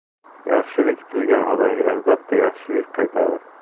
yaxshilik qilgan odamga albatta yaxshilik qaytadi